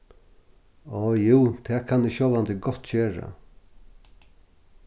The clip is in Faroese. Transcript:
áh jú tað kann eg sjálvandi gott gera